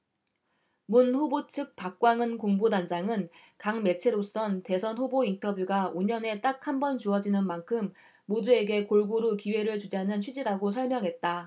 문 후보 측 박광온 공보단장은 각 매체로선 대선 후보 인터뷰가 오 년에 딱 한 번 주어지는 만큼 모두에게 골고루 기회를 주자는 취지라고 설명했다